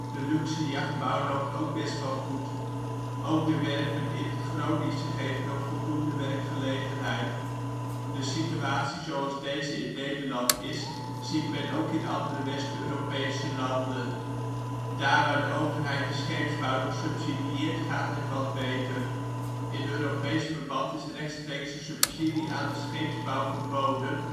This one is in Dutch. De luxe jachtbouw loopt ook best wel goed. Ook de werven in het Groningse geven nog voldoende werkgelegenheid. De situatie zoals deze in Nederland is, ziet men ook in andere West Europese landen. Daar waar de overheid de scheepsbouw nog subsidieert, gaat het wat beter. In Europees verband is rechtstreekse subsidie aan de scheepsbouw verboden